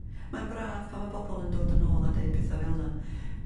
Mae'n braf pan ma' bobol yn dod yn ôl a deud petha fel 'na.